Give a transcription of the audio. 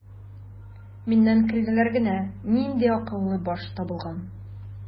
Миннән көлделәр генә: "Нинди акыллы баш табылган!"